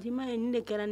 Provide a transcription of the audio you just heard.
I' ma ye nin de kɛra nin